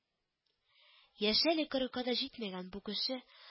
Яше әле кырыкка да җитмәгән бу кеше